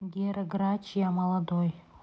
гера грач я молодой